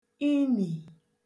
inì